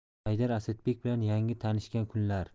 haydar asadbek bilan yangi tanishgan kunlar